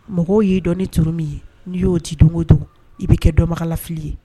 Mɔgɔw ye i dɔn ni turu min ye, n'i y'o ci don o don i bɛ kɛ dɔnbagalafili ye